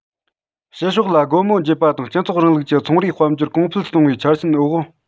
ཕྱི ཕྱོགས ལ སྒོ མོ འབྱེད པ དང སྤྱི ཚོགས རིང ལུགས ཀྱི ཚོང རའི དཔལ འབྱོར གོང སྤེལ གཏོང བའི ཆ རྐྱེན འོག